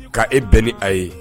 K' e bɛn ni a ye